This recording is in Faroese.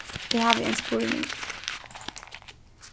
eg havi ein spurning